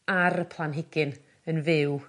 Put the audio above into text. ar y planhigyn yn fyw.